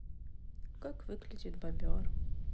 как выглядит бобер